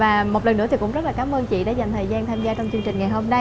và một lần nữa thì cũng rất là cám ơn chị đã dành thời gian tham gia trong chương trình ngày hôm nay